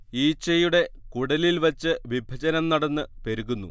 ഈച്ചയുടെ കുടലിൽ വച്ച് വിഭജനം നടന്ന് പെരുകുന്നു